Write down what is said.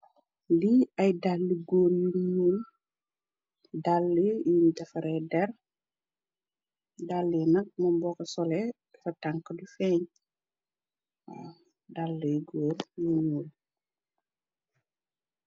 lii ay dàlli góor yu ñuol dalli yuñ defare der dàlli nag mu boka sole fa tank du feeñ dalli góor yu ñuul